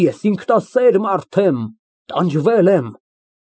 Ես ինքնասեր մարդ եմ, տանջվել եմ։